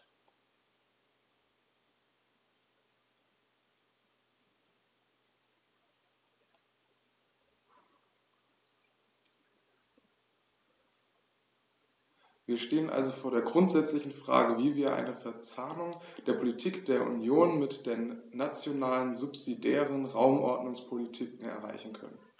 Wir stehen also vor der grundsätzlichen Frage, wie wir eine Verzahnung der Politik der Union mit den nationalen subsidiären Raumordnungspolitiken erreichen können.